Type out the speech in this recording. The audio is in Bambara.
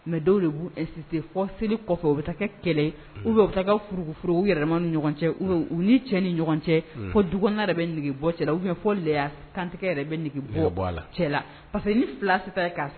Mɛ dɔw de b'sise fɔ seli kɔfɛ u bɛ taa kɛ kɛlɛ u bɛ taa furuugu furu u yɛrɛ ni ɲɔgɔn cɛ u ni cɛ ni ɲɔgɔn cɛ fo dugu yɛrɛ bɛ nɛgɛge bɔ cɛ u fɔ leya kantigɛ yɛrɛ bɛ bɔ la cɛ la paseke ni filasi'